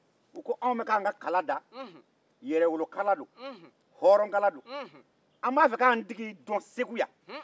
u ko anw bɛka an kala da yɛrɛwolokala don hɔrɔnkala don an b'a fɛ k'an tigi dɔn segu yan